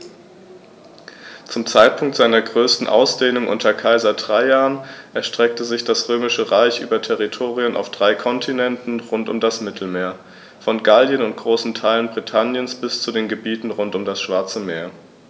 Zum Zeitpunkt seiner größten Ausdehnung unter Kaiser Trajan erstreckte sich das Römische Reich über Territorien auf drei Kontinenten rund um das Mittelmeer: Von Gallien und großen Teilen Britanniens bis zu den Gebieten rund um das Schwarze Meer.